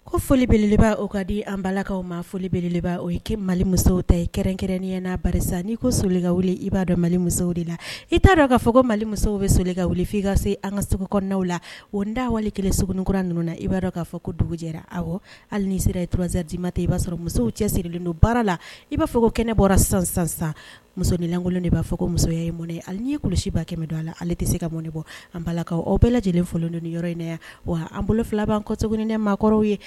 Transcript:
Ko folibele o ka di an b bala lakaw ma folibeleba o ye kɛ mali musow ta kɛrɛn na ba n'i ko sole ka wuli i b'a dɔn mali musoww de la i t'a dɔn ka fɔ ko mali musow bɛ sole ka wuli f' i ka se an ka sogo kɔnɔɛw la o n da walekelen sugunikura ninnu na i b'a dɔn k'a fɔ ko dugu jɛra a hali nii sera ye tz d'i ma ta i b'a sɔrɔ musow cɛ sirilen don baara la i b'a fɔ ko kɛnɛ bɔra sisan muso nilankolon de b'a fɔ ko musoya ye mɔnɛ ale n' ye kuluba kɛmɛ don ala ale tɛ se ka mɔni bɔ balakaw aw bɛɛ lajɛlen fɔlɔ ni yɔrɔ in yan wa an bolo filaba kɔso ne maakɔrɔw ye